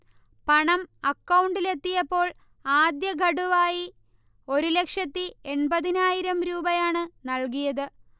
പണം അക്കൗണ്ടിൽ എത്തിയപ്പോൾ ആദ്യഖഡുവായി ഒരു ലക്ഷത്തി എൺപതിനായിരം രൂപയാണ് നൽകിയത്